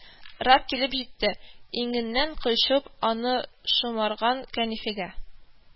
Рап килеп җитте, иңеннән кочып, аны шомарган кәнәфигә